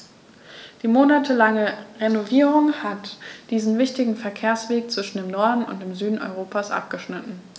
Die monatelange Renovierung hat diesen wichtigen Verkehrsweg zwischen dem Norden und dem Süden Europas abgeschnitten.